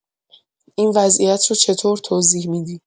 این وضعیت رو چطور توضیح می‌دی؟